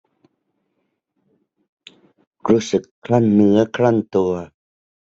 รู้สึกครั่นเนื้อครั่นตัว